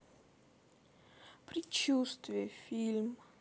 предчувствие фильм